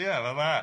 Ia, ma'n dda.